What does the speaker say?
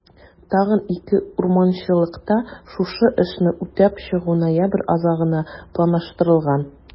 Тагын 2 урманчылыкта шушы эшне үтәп чыгу ноябрь азагына планлаштырылган.